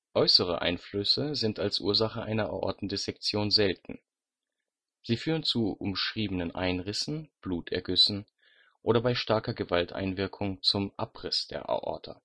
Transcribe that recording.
Äußere Einflüsse sind als Ursache einer Aortendissektion selten. Sie führen zu umschriebenen Einrissen, Blutergüssen oder bei starker Gewalteinwirkung zum Abriss der Aorta